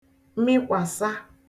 mikwàsa